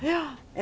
ja.